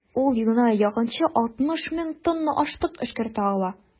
Ул елына якынча 60 мең тонна ашлык эшкәртә ала.